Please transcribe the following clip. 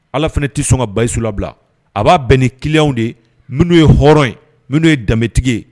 Ala fɛnɛ ti sɔn ka Bayisu labila a b'a bɛn ni client u de ye minnu ye hɔrɔn ye minnu ye danbetigi ye